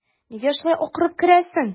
Нигә шулай акырып керәсең?